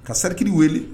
Ka cercle wele